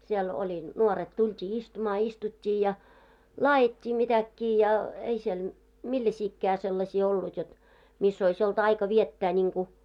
siellä oli nuoret tultiin istumaan istuttiin ja laadittiin mitäkin ja ei siellä millaisiakaan sellaisia ollut jotta missä olisi ollut aika viettää niin kuin